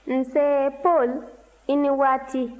nse paul i ni waati